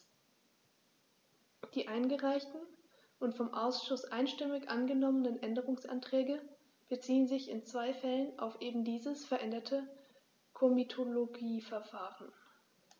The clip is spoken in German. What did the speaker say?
Die eingereichten und vom Ausschuss einstimmig angenommenen Änderungsanträge beziehen sich in zwei Fällen auf eben dieses veränderte Komitologieverfahren.